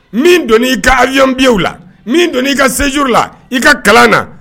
Min don n'i ka avion bilets la min donn'i ka séjour la i ka kalan na